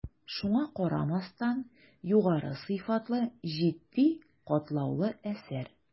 Шуңа карамастан, югары сыйфатлы, житди, катлаулы әсәр.